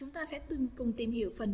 chúng ta sẽ cùng tìm hiểu về